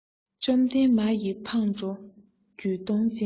བཅོམ ལྡན མ ཡི ཕང འགྲོ རྒྱུད སྟོང ཅན